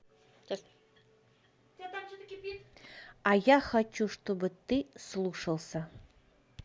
а я хочу чтобы ты слушался